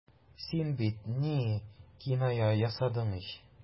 Син бит... ни... киная ясадың ич.